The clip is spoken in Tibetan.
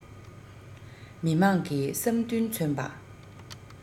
མི དམངས ཀྱི བསམ འདུན མཚོན པ